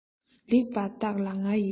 ལེགས པར བརྟག ལ ང ཡི བཀའ